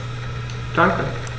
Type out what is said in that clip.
Danke.